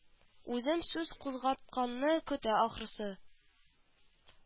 Үзем сүз кузгатканны көтә ахрысы